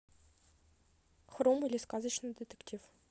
хрум или сказочный детектив